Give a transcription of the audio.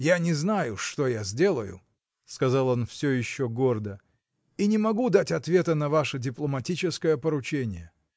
— Я не знаю, что я сделаю, — сказал он всё еще гордо, — и не могу дать ответа на ваше дипломатическое поручение.